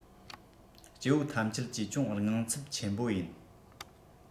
སྐྱེ བོ ཐམས ཅད ཀྱིས ཅུང དངངས ཚབ ཆེན པོ ཡིན